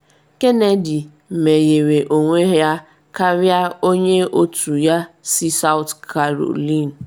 Kennedy meghere onwe ya karịa onye otu ya si South Carolina.